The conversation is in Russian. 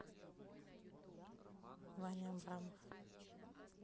ваня абрамов